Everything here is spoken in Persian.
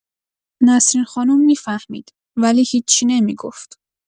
نسرین خانم می‌فهمید، ولی هیچی نمی‌گفت.